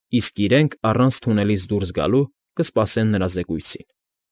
Իսկ իրենք առանց թունելից դուրս գալու կսպասեն նրա զեկույցին։